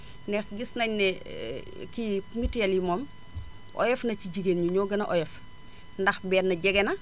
ndax gis nañu ne kii mutuelle yi moom oyof na ci jigéen ñi ñoo gën a oyof ndax benn jege na